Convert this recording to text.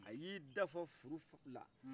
a ye i da fa furu la